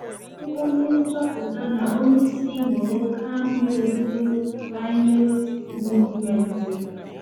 Fadoua bụ onye nchoputa na onye isi Moroccan Youth Climate Movement.